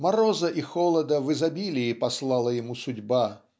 Мороза и холода в изобилии послала ему судьба